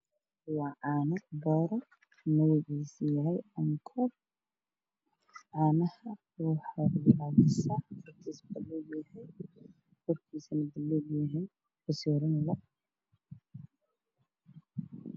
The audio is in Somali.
Waa caano booro magaciisu yahay bahjo midab kiisu yahay dahabi